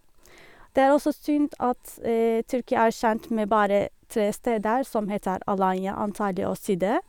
Det er også synd at Tyrkia er kjent med bare tre steder, som heter Alanya, Antalya og Side.